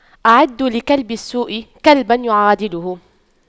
أعدّوا لكلب السوء كلبا يعادله